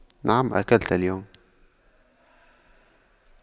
نعم أكلت اليوم